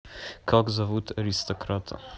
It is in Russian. как зовут аристократа